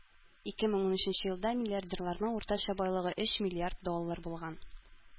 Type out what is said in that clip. Ике мең унөченче елда миллиардерларның уртача байлыгы өч миллиард доллар булган.